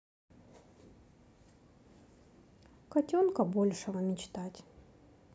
котенка большего мечтать